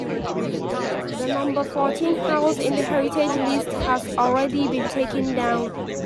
The no. 14 house in the heritage list has already been taken down.